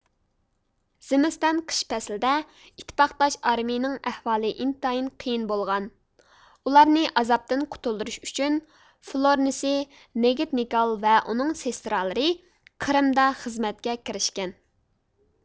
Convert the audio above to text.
زىمىستان قىش پەسلىدە ئىتتىپاقداش ئارمىيىنىڭ ئەھۋالى ئىنتايىن قىيىن بولغان ئۇلارنى ئازابتىن قۇتۇلدۇرۇش ئۈچۈن فلورنىسى نىگىتنگال ۋە ئۇنىڭ سېستىرالىرى قىرىمدا خىزمەتكە كىرىشكەن